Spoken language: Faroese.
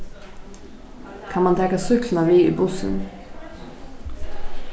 kann mann taka súkkluna við í bussin